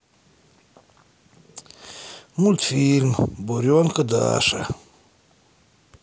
мультфильм буренка даша